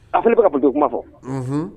A fo i be ka politique ko kuma fɔ unhun